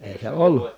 ei se ollut